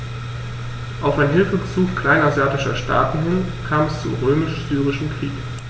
Auf ein Hilfegesuch kleinasiatischer Staaten hin kam es zum Römisch-Syrischen Krieg.